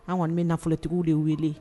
An kɔni bɛ nafolotigiw de wele